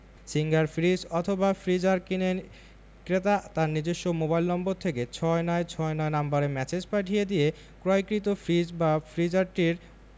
singer fridge অথবা freezer কিনে ক্রেতা তার নিজস্ব মোবাইল নম্বর থেকে ৬৯৬৯ নম্বরে ম্যাসেজ পাঠিয়ে দিয়ে ক্রয়কৃত ফ্রিজ বা ফ্রিজারটির